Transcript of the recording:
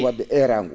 wa?de eeraango